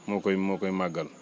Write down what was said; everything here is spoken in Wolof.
moo koy moo koy màggal